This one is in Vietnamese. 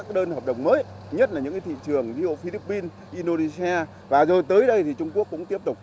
các đơn hợp đồng mới nhất là những thị trường như ở philippines indonesia và rồi tới đây thì trung quốc cũng tiếp tục